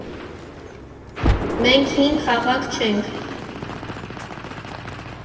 Մենք հին քաղաք չենք։